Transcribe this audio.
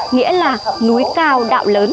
nghĩa là núi cao đạo lớn